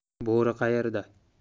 bo'ri qayerda